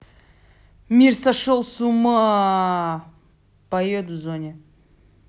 мир сошел с ума поет в зоне